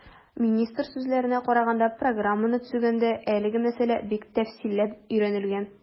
Министр сүзләренә караганда, программаны төзегәндә әлеге мәсьәлә бик тәфсилләп өйрәнелгән.